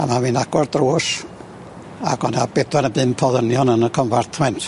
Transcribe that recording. A 'ma fi'n agor drws ag o' 'na bedwar ne' bump o ddynion yn y compartment.